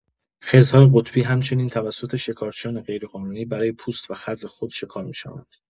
خرس‌های قطبی همچنین توسط شکارچیان غیرقانونی برای پوست و خز خود شکار می‌شوند.